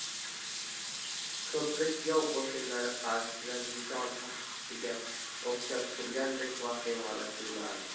ko'prik yov qo'shinlari qarshisida nishon taxtasiga o'xshab turgandek vahimali tuyulardi